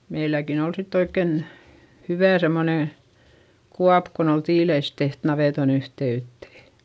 meilläkin oli sitten oikein hyvä semmoinen kuoppa kun oli tiilistä tehty navetan yhteyteen